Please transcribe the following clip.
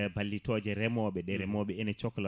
e balltitoje reemoɓe ɗe reemoɗe ene cohla